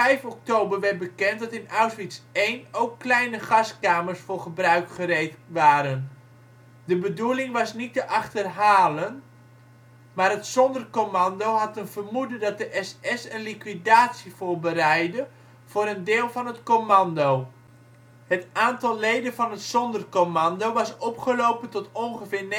5 oktober werd bekend dat in Auschwitz I ook kleine gaskamers voor gebruik gereed waren. De bedoeling was niet te achterhalen, maar het Sonderkommando had een vermoeden dat de SS een liquidatie voorbereidde voor een deel van het commando. Het aantal leden van het Sonderkommando was opgelopen tot ongeveer